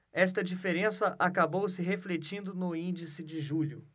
esta diferença acabou se refletindo no índice de julho